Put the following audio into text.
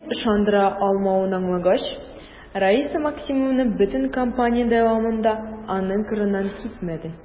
Ирен ышандыра алмавын аңлагач, Раиса Максимовна бөтен кампания дәвамында аның кырыннан китмәде.